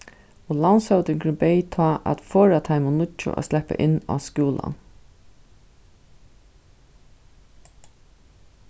og landshøvdingurin beyð tá at forða teimum níggju at sleppa inn á skúlan